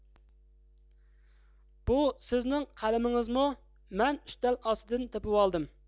بۇ سىزنىڭ قەلىمىڭىزمۇ مەن ئۈستەل ئاستىدىن تېپىۋالدىم